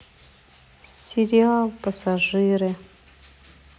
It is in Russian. сериал пассажиры